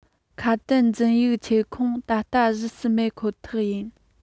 ཁ དན འཛིན ཡིག ཁྱབ ཁོངས ད ལྟ གཞིས སུ མེད ཁོ ཐག ཡིན